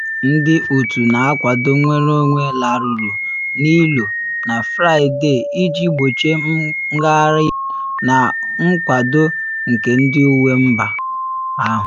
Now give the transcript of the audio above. Ndị otu na akwado nnwere onwe larụrụ n’ilo na Fraịde iji gbochie ngagharị iwe na nkwado nke ndị uwe mba ahụ.